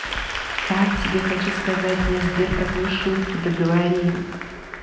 как тебе хочу сказать я сбер такую шутку договорил